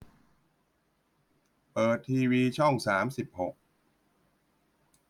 เปิดทีวีช่องสามสิบหก